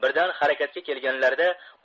birdan harakatga kelganlarida